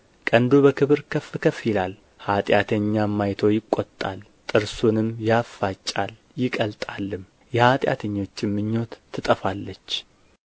ቀንዱ በክብር ከፍ ከፍ ይላል ኃጢአተኛም አይቶ ይቈጣል ጥርሱንም ያፋጫል ይቀልጣልም የኃጢአተኞችም ምኞት ትጠፋለች